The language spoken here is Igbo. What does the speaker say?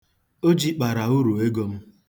O jikpara uruego m.